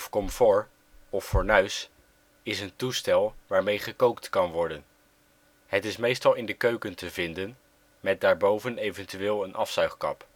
komfoor of fornuis is een toestel waarmee gekookt kan worden. Het is meestal in de keuken te vinden, met daarboven eventueel een afzuigkap